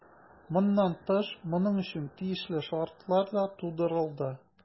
Моннан тыш, моның өчен тиешле шартлар да тудырылды.